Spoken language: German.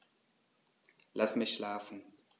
Lass mich schlafen